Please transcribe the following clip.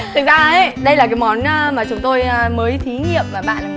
thực ra ấy đây là cái món ơ mà chúng tôi ơ mới thí nghiệm bạn là